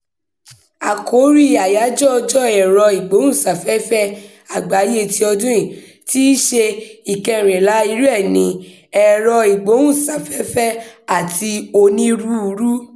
Àkórí Àyájọ́ Ọjọ́ Ẹ̀rọ-ìgbóhùnsáfẹ́fẹ́ Àgbáyé ti ọdún yìí, tí í ṣe ìkẹrìnlá irú ẹ̀ ni "Ẹ̀rọ-ìgbóhùnsáfẹ́fẹ́ àti Onírúurú."